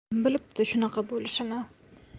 kim bilibdi shunaqa bo'lishini